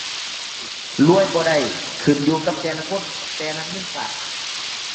รวยบ่ได้ขึ้นอยู่กับแต่ละคน แต่ละเงินฝาก